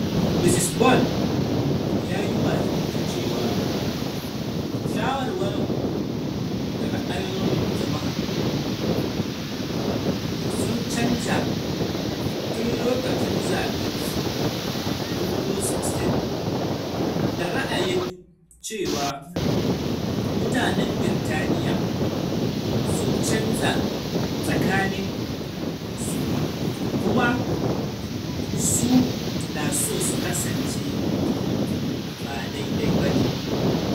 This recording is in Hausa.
Mr Bone ya yi watsi da cewa shawarwarin da ra'ayoyin jama'a sun canja tun lokacin zaben 2016: 'Da ra'ayin cewa mutanen Birtaniya sun canza tunaninsu kuma su na so su kasance ba daidai ba ne.'